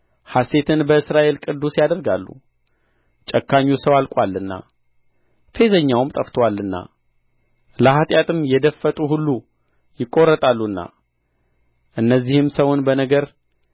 ሐሤትን በእስራኤል ቅዱስ ያደርጋሉ ጨካኙ ሰው አልቆአልና ፌዘኛውም ጠፍቶአልና ለኃጢአትም የደፈጡ ሁሉ ይቈረጣሉና እነዚህም ሰውን በነገር